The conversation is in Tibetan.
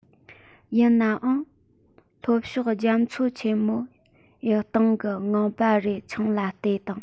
ཡིན ནའང ལྷོ ཕྱོགས རྒྱ མཚོ ཆེན མོ ཡི སྟེང གི ངང པ རེ འཆང ལ ལྟོས དང